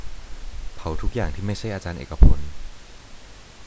เผาทุกอย่างที่ไม่ใช่อาจารย์เอกพล